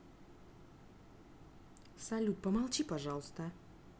салют помолчи пожалуйста